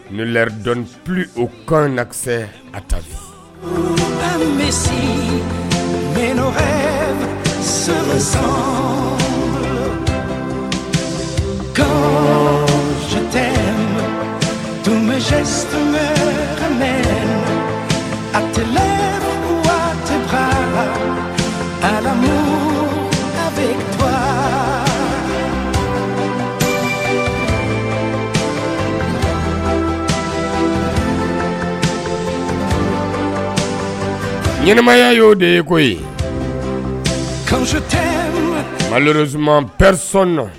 Ni laridɔntu o kan nasɛ a ta an bɛ se bɛɔnɔ san su tun tɛmɛ a tile ara ɲɛnɛmaya y' o de ye ko ye kanu tɛ mali zumanɛsɔnna